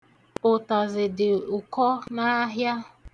Ụtazị dị ụkọ n'ahịa.